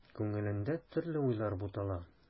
Күңелендә төрле уйлар бутала.